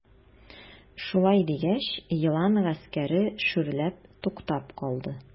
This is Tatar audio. Шулай дигәч, елан гаскәре шүрләп туктап калды.